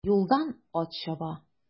Юлдан ат чаба.